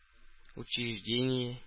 Учреждение